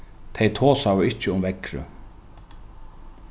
tey tosaðu ikki um veðrið